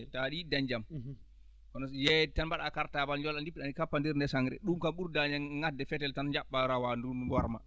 taw aɗa yiɗi daañ jam kono so yeeyde tan mbaɗaa cartable joola * kappadire der sangre ɗum kam ɓurdaani e ŋadde fetel tan jaɓɓaa rawaadu nduu warma